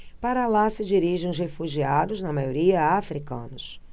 para lá se dirigem os refugiados na maioria hútus